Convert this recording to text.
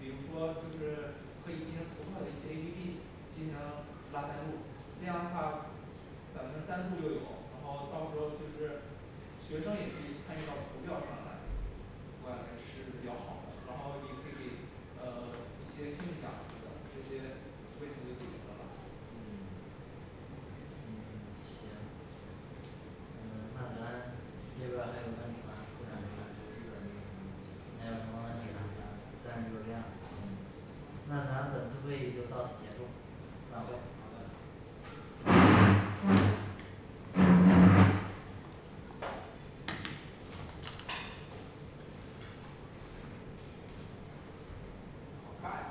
比如说就是可以进行投靠的一些A P P进行拉赞助这样的话咱们赞助又有，然后到时候就是学生也可以参与到投票上来不管是比较好的然后也可以嗯嗯行呃那咱你这边儿还有问题吗？部长这边儿嗯那咱本次会议就到此结束散会好的好尬呀